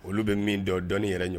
Olu bɛ min dɔn dɔnnii yɛrɛ ɲɔgɔn